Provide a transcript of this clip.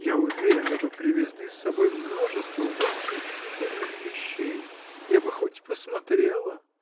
Я уверена, вы привезли с собой множество восхитительных вещей. Я бы хоть посмотрела.